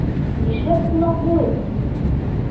Нишләп кулак булыйк?